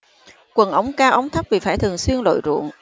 quần ống cao ống thấp vì phải thường xuyên lội ruộng